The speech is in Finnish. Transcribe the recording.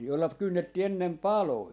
jolla kynnettiin ennen paloja